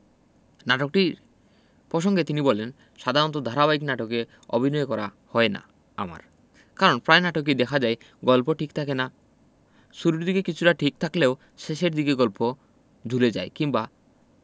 নাটকটি পসঙ্গে তিনি বলেন সাধারণত ধারাবাহিক নাটকে অভিনয় করা হয় না আমার কারণ প্রায় নাটকেই দেখা যায় গল্প ঠিক থাকে না শুরুর দিকে কিছুটা ঠিক থাকলেও শেষের দিকে গল্প ঝুলে যায় কিংবা